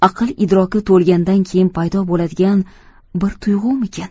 aql idroki to'lgandan keyin paydo bo'ladigan bir tuyg'umikin